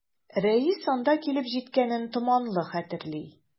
Рәис анда килеп җиткәнен томанлы хәтерли.